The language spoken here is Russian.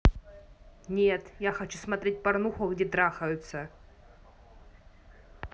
нет я хочу смотреть порнуху где трахаются